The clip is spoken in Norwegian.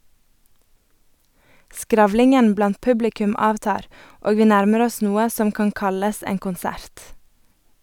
Skravlingen blant publikum avtar, og vi nærmer oss noe som kan kalles en konsert.